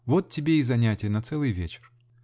Вот тебе и занятие на целый вечер.